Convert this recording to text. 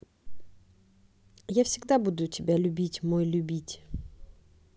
я всегда буду тебя любить мой любить